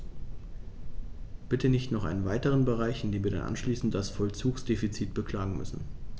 Bitte nicht noch einen weiteren Bereich, in dem wir dann anschließend das Vollzugsdefizit beklagen müssen.